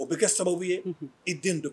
O bɛ kɛ sababu ye i den dogo